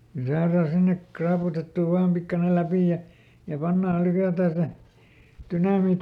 kun saadaan sinne raaputettua vain pikkuinen läpi ja ja pannaan lykätään se dynamiitti